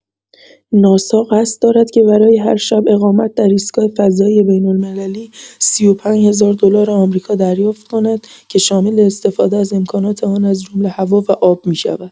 ناسا قصد دارد که برای هر شب اقامت در ایستگاه فضایی بین‌المللی، ۳۵ هزار دلار آمریکا دریافت کند که شامل استفاده از امکانات آن از جمله هوا و آب می‌شود.